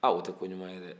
aah o tɛ ko ɲuman ye dɛ